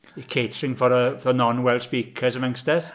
You're catering for a... for the non-Welsh speakers amongst us.